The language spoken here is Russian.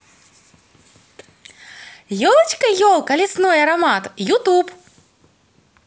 елочка елка лесной аромат youtube